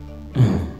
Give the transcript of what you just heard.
H